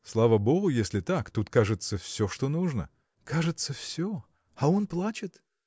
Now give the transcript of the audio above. – Слава богу, если так: тут, кажется, все, что нужно. – Кажется, все, а он плачет.